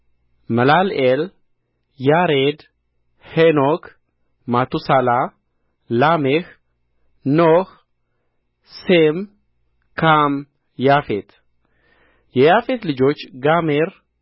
መላልኤል ያሬድ ሄኖክ ማቱሳላ ላሜሕ ኖኅ ሴም ካም ያፌት የያፌት ልጆች ጋሜር